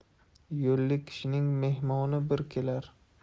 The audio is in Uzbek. yo'lli kishining mehmoni bir kelar